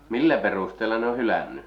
millä perusteella ne on hylännyt